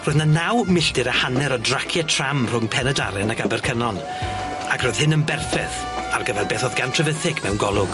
Ro'dd 'na naw milltir a hanner o dracie tram rhwng Pen-y-daren ac Abercynnon ac roedd hyn yn berffeth ar gyfer beth oedd gan Trevithick mewn golwg.